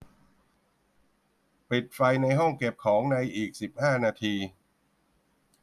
ปิดไฟในห้องเก็บของในอีกสิบห้านาที